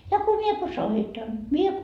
ja kun minä kun soitan minä